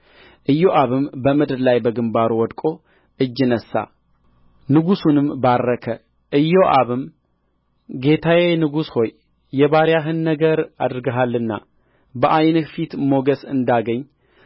ኢዮአብም በምድር ላይ በግምባሩ ወድቆ እጅ ነሣ ንጉሡንም ባረከ ኢዮአብም ጌታዬ ንጉሥ ሆይ የባሪያህን ነገር አድርገሃልና በዓይንህ ፊት ሞገስ እንዳገኘ